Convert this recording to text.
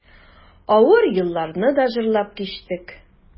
Авыр елларны да җырлап кичтек.